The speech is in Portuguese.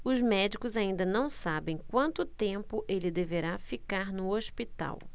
os médicos ainda não sabem quanto tempo ele deverá ficar no hospital